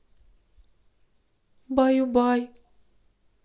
баю бай